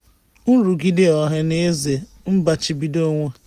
Nrụgide ọhanaeze, mmachibido onwe.